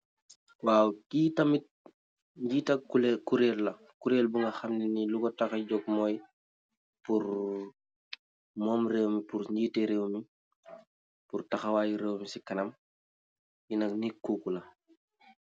kurrer buuyi uut jiti rehwwu.